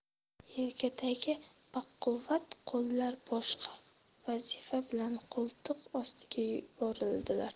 yelkadagi baquvvat qo'llar boshqa vazifa bilan qo'ltiq ostiga yuborildilar